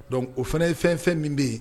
Donc o fɛnɛ ye fɛn fɛn min be ye